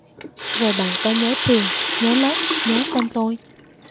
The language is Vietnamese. rồi bạn có nhớ trường nhớ lớp nhớ tên tôi